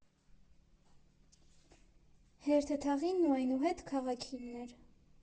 Հերթը թաղինն ու այնուհետ՝ քաղաքինն էր։